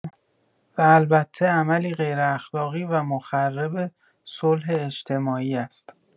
و البته عملی غیراخلاقی و مخرب صلح اجتماعی است.